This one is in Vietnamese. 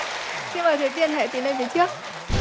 xin mời thủy tiên hãy tiến lên phía trước